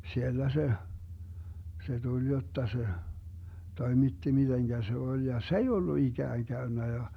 siellä se se tuli jotta se toimitti miten se oli ja se ei ollut ikään käynyt ja